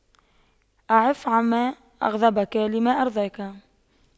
اعف عما أغضبك لما أرضاك